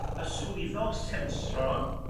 y swyddog sensro